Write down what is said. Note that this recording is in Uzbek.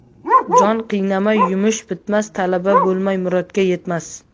jon qiynamay yumush bitmas talaba bo'lmay murodga yetmas